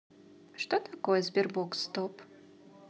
что такое sberbox стоп